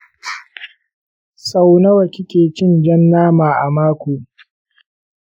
sau nawa kike cin jan nama a mako?